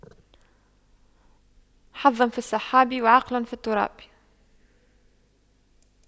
حظ في السحاب وعقل في التراب